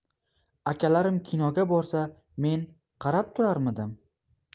akalarim kinoga borsa men qarab turarmidim